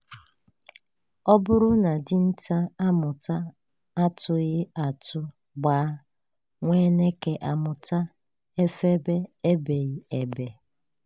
Ọ bụrụ na dinta amụta atụghị atụ gbaa, nwa eneke amụta efebe ebeghị ebe